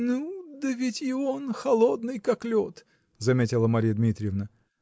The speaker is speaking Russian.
-- Ну, да ведь и он -- холодный, как лед, -- заметила Марья Дмитриевна.